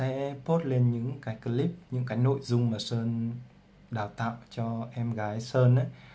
sơn sẽ post lên những clip nội dung đào tạo em gái sơn